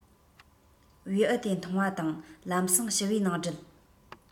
བེའུ དེ མཐོང བ དང ལམ སེང ཕྱུ པའི ནང སྒྲིལ